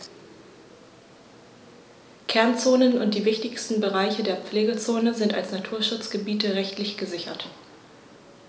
Kernzonen und die wichtigsten Bereiche der Pflegezone sind als Naturschutzgebiete rechtlich gesichert.